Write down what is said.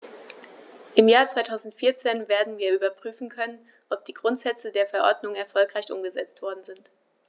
Im Jahr 2014 werden wir überprüfen können, ob die Grundsätze der Verordnung erfolgreich umgesetzt worden sind.